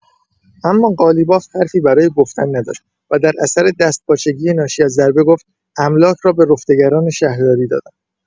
اما قالیباف حرفی برای گفتن نداشت ودر اثر دستپاچگی ناشی از این ضربه گفت: «املاک را به رفتگران شهرداری دادم».